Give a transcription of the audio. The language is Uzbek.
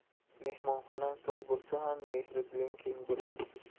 mehmonxonang tor bo'lsa ham mehri diling keng bo'lsin